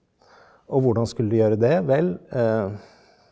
og hvordan skulle de gjøre det vel .